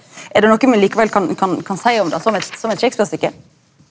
er det noko me likevel kan kan kan seie om det som eit som eit Shakespeare-stykke?